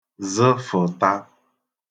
zə̣fə̣̀ta